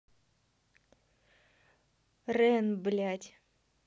рен блядь